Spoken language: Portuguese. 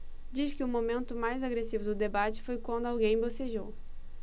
diz que o momento mais agressivo do debate foi quando alguém bocejou